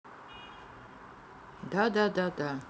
да да да